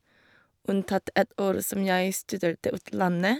Unntatt ett år som jeg studerte utlandet.